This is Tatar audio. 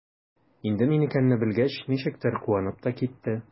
Инде мин икәнне белгәч, ничектер куанып та китте.